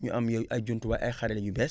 ñu am yo ay jumtuwaay ay xaral yu bees